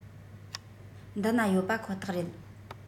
འདི ན ཡོད པ ཁོ ཐག རེད